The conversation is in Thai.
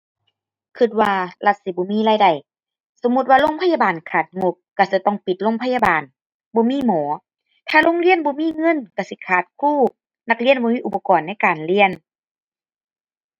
คิดว่ารัฐสิบ่มีรายได้ สมมุติว่าโรงพยาบาลขาดงบคิดจะต้องปิดโรงพยาบาล บ่มีหมอ ถ้าโรงเรียนบ่มีเงินคิดสิขาดครู นักเรียนบ่มีอุปกรณ์ในการเรียน